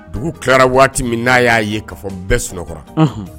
Dugu tila waati min n'a y'a ye ka fɔ bɛɛ sunɔgɔkɔrɔ